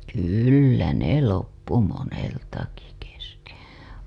kyllä ne loppui moneltakin kesken